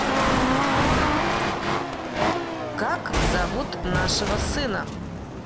как зовут нашего сына